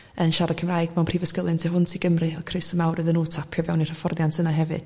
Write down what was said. yn siarad Cymraeg mewn prifysgolion tu hwn ti Gymru odd croeso mawr iddyn nhw tapio fewn i'r hyfforddiant yna hefyd